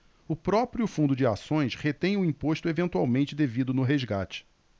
o próprio fundo de ações retém o imposto eventualmente devido no resgate